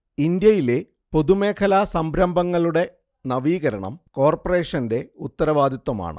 ഇന്ത്യയിലെ പൊതുമേഖലാ സംരംഭങ്ങളുടെ നവീകരണം കോർപ്പറേഷന്റെ ഉത്തരവാദിത്തമാണ്